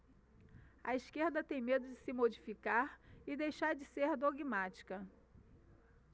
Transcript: a esquerda tem medo de se modificar e deixar de ser dogmática